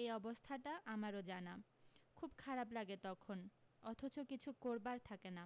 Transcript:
এই অবস্থাটা আমারও জানা খুব খারাপ লাগে তখন অথচ কিছু করবার থাকে না